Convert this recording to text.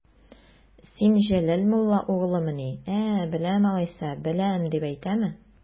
Син Җәләл мулла угълымыни, ә, беләм алайса, беләм дип әйтәме?